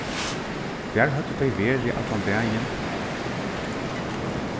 hvar høvdu tey verið allan dagin